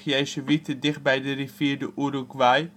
jezuïeten dichtbij de rivier de Uruguay. In 1807